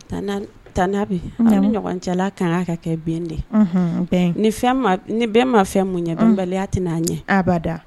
Tanti ab tanti Abi, nin ɲɔgɔn cɛla kan ka kɛ bɛn de ,unhun bɛn ni fɛn ma, ni bɛn ma fɛn min ɲɛ bɛnbaliya tɛn'a ɲɛ